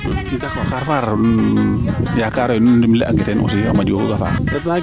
d' accord xar fo xar yakaro yee nu ɗim le a ŋee teen aussi ta moƴo faxŋesna